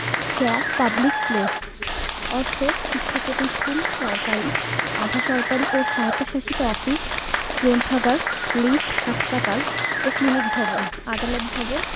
চ public place অর্থ শিক্ষা প্রতিষ্ঠান সরকারী আধা সরকারী ও স্বায়ত্তশাসিত অফিস গ্রন্থাগান লিফট হাসপাতাল ও ক্লিনিক ভবন আদালত ভবন